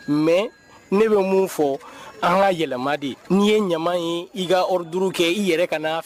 Mais ne bɛ mun fɔ an ka yɛlɛma de ni ye ɲama ye i ka wari duuru kɛ i yɛrɛ ka